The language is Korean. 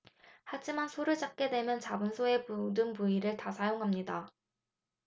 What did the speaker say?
하지만 소를 잡게 되면 잡은 소의 모든 부위를 다 사용합니다